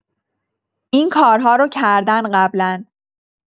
این‌کارها رو کردن قبلا.